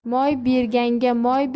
moy berganga moy